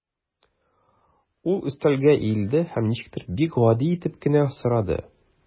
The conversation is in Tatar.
Ул өстәлгә иелде һәм ничектер бик гади итеп кенә сорады.